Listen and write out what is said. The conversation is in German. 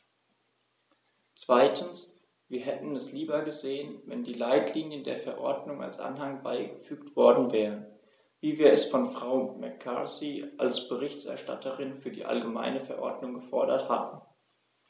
Zweitens: Wir hätten es lieber gesehen, wenn die Leitlinien der Verordnung als Anhang beigefügt worden wären, wie wir es von Frau McCarthy als Berichterstatterin für die allgemeine Verordnung gefordert hatten.